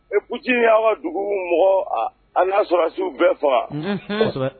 Ɛ p' dugu mɔgɔ an y'a sɔrɔsiww bɛɛ faga